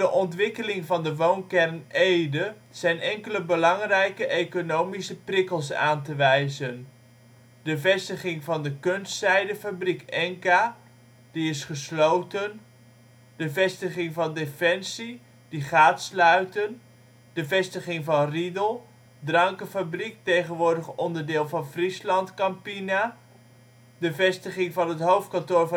ontwikkeling van de woonkern Ede zijn enkele belangrijke economische prikkels aan te wijzen: de vestiging van kunstzijdefabriek Enka (is gesloten); de vestiging van Defensie (gaat sluiten); de vestiging van Riedel (drankenfabriek, tegenwoordig onderdeel van FrieslandCampina); de vestiging van het hoofdkantoor